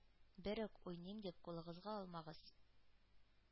Берүк, уйныйм дип, кулыгызга алмагыз.